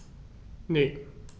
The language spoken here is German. Ne.